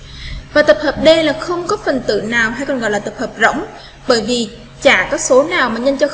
tập hợp d là không có phần tử nào hay còn gọi là tập hợp rỗng bởi vì chả có số nào mà nhân